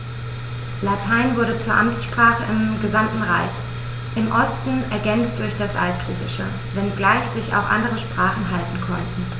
Latein wurde zur Amtssprache im gesamten Reich (im Osten ergänzt durch das Altgriechische), wenngleich sich auch andere Sprachen halten konnten.